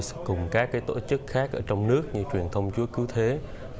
cùng các cái tổ chức khác ở trong nước như truyền thông chúa cứu thế